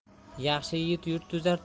yaxshi yigit yurt tuzar